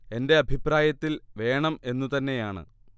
എന്റെ അഭിപ്രായത്തിൽ വേണം എന്നു തന്നെയാണ്